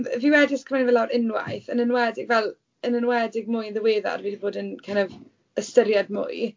Fi wedi sgwennu fe lawr unwaith, yn enwedig fel yn enwedig mwy yn ddiweddar, fi 'di bod yn kind of ystyried mwy.